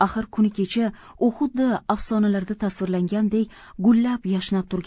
axir kuni kecha u xuddi afsonalarda tasvirlangandek gullab yashnab